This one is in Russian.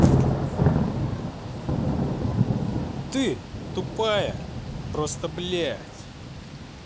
ты тупая просто блядь